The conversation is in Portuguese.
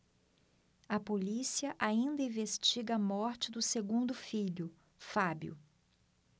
a polícia ainda investiga a morte do segundo filho fábio